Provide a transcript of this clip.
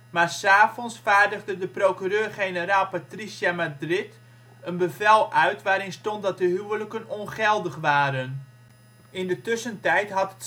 maar ' s avonds vaardigde de procureur-generaal Patricia Madrid een bevel uit waarin stond dat de huwelijken ongeldig waren; in de tussentijd had